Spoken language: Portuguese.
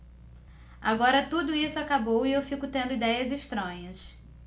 agora tudo isso acabou e eu fico tendo idéias estranhas